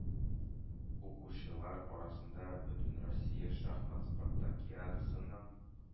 Укучылар арасында бөтенроссия шахмат спартакиадасының